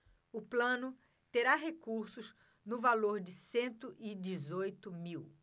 o plano terá recursos no valor de cento e dezoito mil